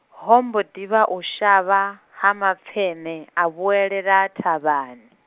ho mbo ḓi vha u shavha, ha mapfeṋe, a vhuelela thavhani.